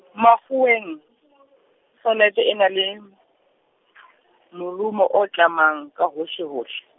makgoweng, sonete e na le, morumo o tlamang ka hohlehohle.